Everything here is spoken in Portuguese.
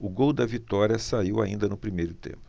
o gol da vitória saiu ainda no primeiro tempo